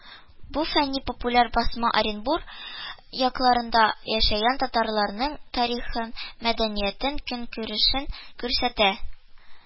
“бу фәнни-популяр басма оренбур якларында яшәгән татарларның тарихын, мәдәниятен, көнкүрешен күрсәтә